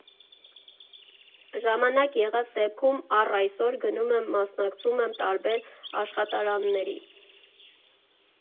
Ժամանակ եղած դեպքում առ այսօր գնում ու մասնակցում եմ տարբեր աշխատարանների։